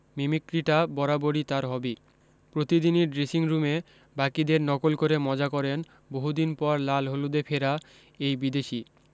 মিমিক্রিটা বরাবরি তার হবি প্রতিদিনি ড্রেসিংরুমে বাকিদের নকল করে মজা করেন বহুদিন পর লাল হলুদে ফেরা এই বিদেশি